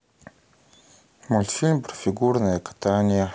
мультфильм про фигурное катание